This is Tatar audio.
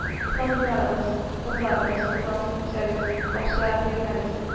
Хатыннарыгыз, кызларыгыз хурлансын дисәгез, акча бирмәгез